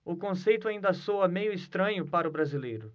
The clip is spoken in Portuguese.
o conceito ainda soa meio estranho para o brasileiro